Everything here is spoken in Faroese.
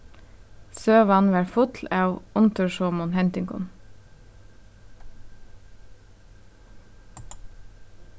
søgan var full av undursomum hendingum